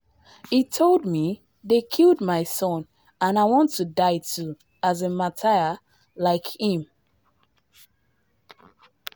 He told me: “They killed my son, and I want to die too, as a martyr, like him.